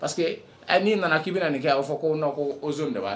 Parce que n'i nana k'i bɛ na nin kɛ a'a fɔ ko ko o de b'